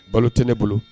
Balo tɛ ne bolo